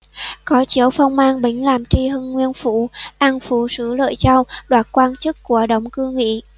có chiếu phong an bính làm tri hưng nguyên phủ an phủ sứ lợi châu đoạt quan chức của đổng cư nghị